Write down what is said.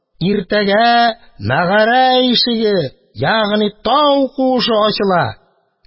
Иртәгә мәгарә ишеге, ягъни тау куышы ачыла.